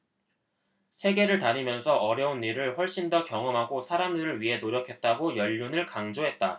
세계를 다니면서 어려운 일을 훨씬 더 경험하고 사람들을 위해 노력했다고 연륜을 강조했다